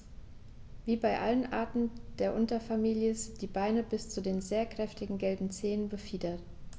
Wie bei allen Arten der Unterfamilie sind die Beine bis zu den sehr kräftigen gelben Zehen befiedert.